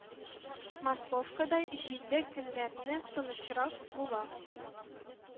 Масловкада җилле көннәрне тынычрак була